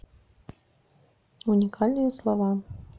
уникальные слова